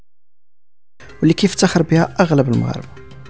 لكي يفتخر بها اغلب المغرب